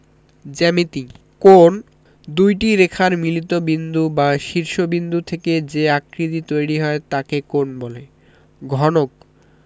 জ্যামিতিঃ কোণ দুইটি রেখার মিলিত বিন্দু বা শীর্ষ বিন্দু থেকে যে আকৃতি তৈরি হয় তাকে কোণ বলে ঘনক